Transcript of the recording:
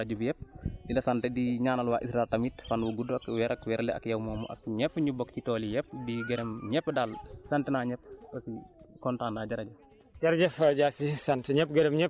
ñu ngi la siy sant bu baax a baax di la gërëm di gërëm waa rajo bi yëpp di la sant di ñaan waa ISRA tamit fan wu gudd ak wér ak wérle ak yow moomu ak ñëpp ñu bokk ci tool yi yëpp di gërëm ñëpp daal sant naa ñëpp aussi kontaan naa jërëjëf